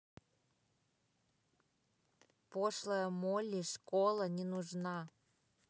пошлая молли школа не нужна